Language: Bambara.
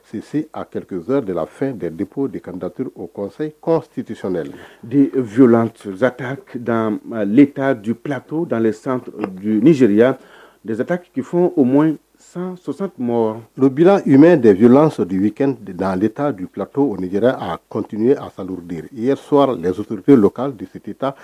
Sisi a kikez de la fɛn depo de kan datri o kɔsɔ kɔsitesi de la vyzta leta du plat dalen nizeya desetaki fɔ o mɔn sɔsankuma don u mɛ devylan sɔ de bɛ kɛ de dan de taa du plato o jɛra a kant ye asa de i ye sowa soourte k' desiteta